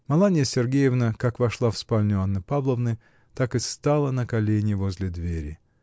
Маланья Сергеевна как вошла в спальню Анны Павловны, так и стала на колени возле двери.